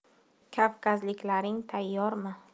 kavkazliklaring tayyormi